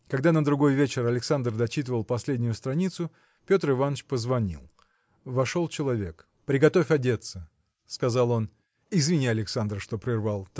Когда на другой вечер Александр дочитывал последнюю страницу Петр Иваныч позвонил. Вошел человек. – Приготовь одеться, – сказал он. – Извини, Александр, что перервал